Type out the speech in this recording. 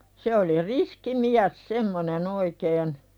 se oli riski mies semmoinen oikein